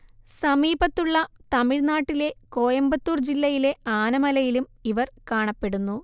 സമീപത്തുള്ള തമിഴ്നാട്ടിലെ കോയമ്പത്തൂർ ജില്ലയിലെ ആനമലയിലും ഇവർ കാണപ്പെടുന്നു